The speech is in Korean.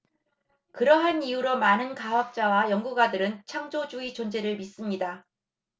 그러한 이유로 많은 과학자와 연구가들은 창조주의 존재를 믿습니다